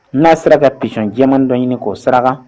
N'a sera bɛ psɔn caman dɔ ɲini k'o sira